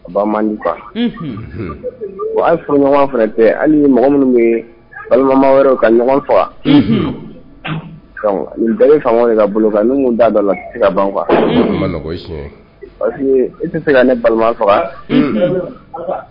Bamanan fa o furu ɲɔgɔn fana tɛ hali ye mɔgɔ minnu bɛ ye balimama wɛrɛ ka ɲɔgɔn faga da fa de ka bolo n daa da la se ka ban pa i tɛ se ka ne balima faga